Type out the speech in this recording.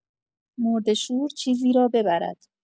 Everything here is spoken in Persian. مرده‌شور چیزی را ببرد